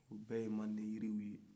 olu bɛɛ ye manden jiriw ye